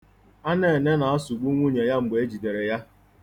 Anene na-asụgbu nwunye ya mgbe e jidere ya.